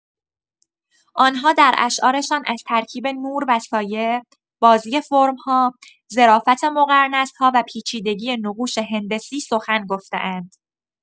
آن‌ها در اشعارشان از ترکیب نور و سایه، بازی فرم‌ها، ظرافت مقرنس‌ها و پیچیدگی نقوش هندسی سخن گفته‌اند.